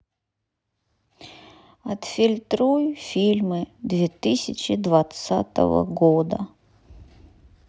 отфильтруй фильмы две тысячи двадцатого года